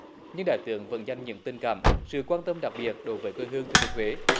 nhưng đại tướng vẫn dành những tình cảm sự quan tâm đặc biệt đối với quê hương thừa thiên huế